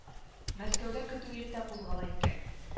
Мәскәүдә көтү иртә кузгала икән